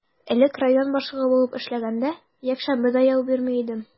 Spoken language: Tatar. Элек район башлыгы булып эшләгәндә, якшәмбе дә ял бирми идем.